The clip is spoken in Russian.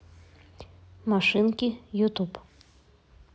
машинки ютуб